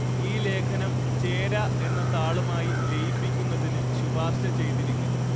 ഈ ലേഖനം ചേര എന്ന താളുമായി ലയിപ്പിക്കുന്നതിന് ശുപാർശ ചെയ്തിരിക്കുന്നു